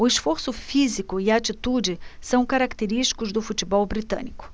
o esforço físico e a atitude são característicos do futebol britânico